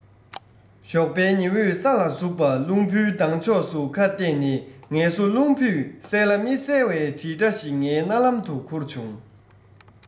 ཞོགས པའི ཉི འོད ས ལ ཟུག པ རླུང བུའི ལྡང ཕྱོགས སུ ཁ གཏད ནས ངལ གསོ རླུང བུས གསལ ལ མི གསལ བའི དྲིལ སྒྲ ཞིག ངའི རྣ ལམ དུ ཁུར བྱུང